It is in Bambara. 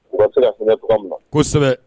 cogoya min na kosɛbɛ